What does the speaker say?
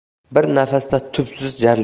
bir nafasda tubsiz